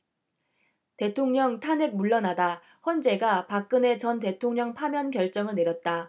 대통령 탄핵 물러나다 헌재가 박근혜 전 대통령 파면 결정을 내렸다